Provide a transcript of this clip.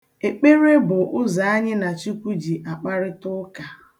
Ekpere bụ ụzọ anyị na Chukwu ji akparịta ụka.